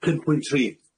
pump pwynt tri.